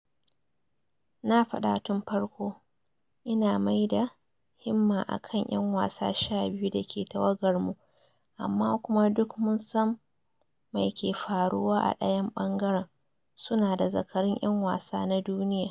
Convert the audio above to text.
Na fada tun farko, ina mai da himma akan ‘yan wasa 12 dake tawagarmu, amma kuma duk mun san mai ke faruwa a dayan ɓangaren - su na da zakarun yan wasa na duniya.”